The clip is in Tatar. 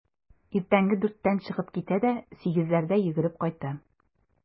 Иртәнге дүрттән чыгып китә дә сигезләрдә йөгереп кайта.